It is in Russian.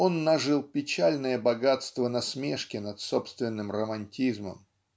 он нажил печальное богатство насмешки над собственным романтизмом.